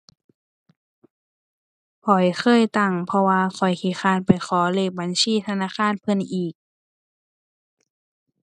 ข้อยเคยตั้ง เพราะว่าข้อยขี้คร้านไปขอเลขบัญชีธนาคารเพิ่นอีก